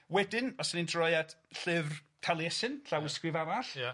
Wedyn, os 'yn ni'n troi at llyfr Taliesin, llawysgrif arall. Ia.